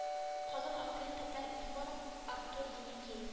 Казан апрель татар-информ артур еникеев